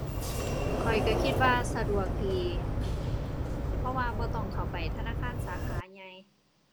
ข้อยก็คิดว่าสะดวกดี เพราะว่าบ่ต้องเข้าไปธนาคารสาขาใหญ่